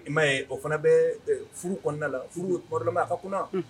I ma ye o fana bɛ furu kɔnɔnada la furu kɔrɔlama a ka kunna